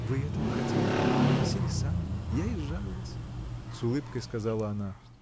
— Вы этого хотели, просили сами, я и сжалилась! — с улыбкой сказала она.